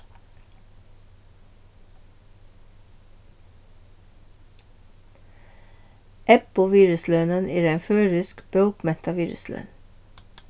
ebbu-virðislønin er ein føroysk bókmentavirðisløn